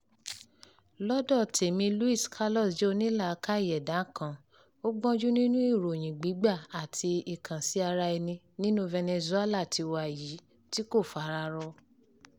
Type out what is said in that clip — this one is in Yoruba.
Lọ́dọ̀ tèmi, Luis Carlos jẹ́ onílàákàyè ẹ̀dá kan, ó gbọ́njú nínú ìròyìn gbígbà àti ìkànsì-ara-ẹni nínú Venezuela ti wa yìí tí kò fara rọ.